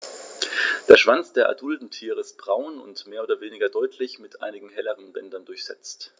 Der Schwanz der adulten Tiere ist braun und mehr oder weniger deutlich mit einigen helleren Bändern durchsetzt.